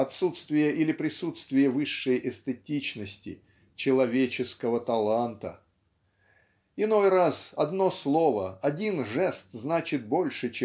отсутствие или присутствие высшей эстетичности "человеческого таланта" иной раз одно слово один жест значит больше